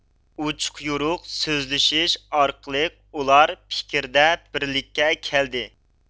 ئوچۇق يورۇق سۆزلىشىش ئارقىلىق ئۇلار پىكىردە بىرلىككە كەلدى